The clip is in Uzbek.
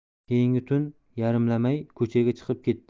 keyingi tun yarimlamay ko'chaga chiqib ketdi